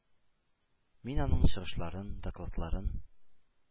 Мин аның чыгышларын, докладларын,